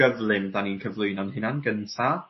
gyflym 'dan ni'n cyflwyno'n hunan gynta.